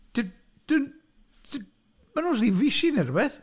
D- dwn- si- maen nhw'n rhy fisi neu rywbeth!